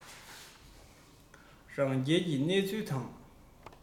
རང རྒྱལ གྱི གནས ཚུལ དང